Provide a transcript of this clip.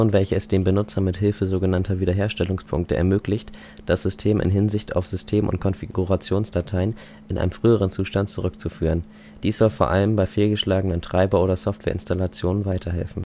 welche es dem Benutzer mit Hilfe sogenannter Wiederherstellungspunkte ermöglicht, das System in Hinsicht auf System - und Konfigurationsdateien in einen früheren Zustand zurückzuführen. Dies soll vor allem bei fehlgeschlagenen Treiber - oder Software-Installationen weiterhelfen